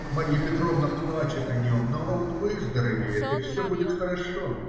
Марья Петровна плачет о нем, но он выздоровеет, и все будет хорошо".